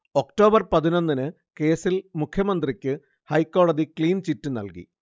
October പതിനൊന്നിന് കേസിൽ മുഖ്യമന്ത്രിക്ക് ഹൈക്കോടതി ക്ലീൻചിറ്റ് നൽകി